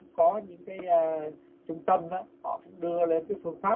có những cái ờ trung tâm ớ họ cũng đưa lên các phương pháp